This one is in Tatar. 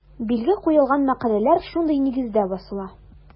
Билге куелган мәкаләләр шундый нигездә басыла.